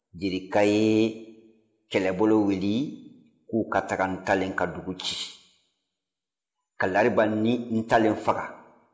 jerika ye kɛlɛbolo wuli k'u ka taga ntalen ka dugu ci ka lariba ni ntalen faga